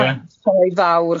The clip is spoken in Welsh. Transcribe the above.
...a'r sioe fawr,